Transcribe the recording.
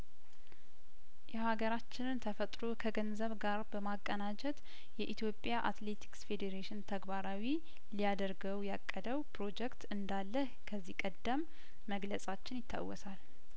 የሀገራችንን ተፈጥሮ ከገንዘብ ጋር በማቀናጀት የኢትዮጵያ አትሌቲክስ ፌዴሬሽን ተግባራዊ ሊያደርገው ያቀደው ፕሮጀክት እንዳለ ከዚህ ቀደም መግለጻችን ይታወሳል